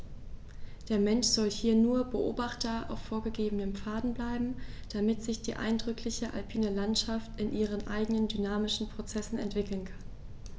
Der Mensch soll hier nur Beobachter auf vorgegebenen Pfaden bleiben, damit sich die eindrückliche alpine Landschaft in ihren eigenen dynamischen Prozessen entwickeln kann.